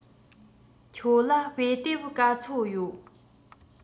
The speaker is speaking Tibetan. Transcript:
ཁྱོད ལ དཔེ དེབ ག ཚོད ཡོད